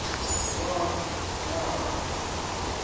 fork player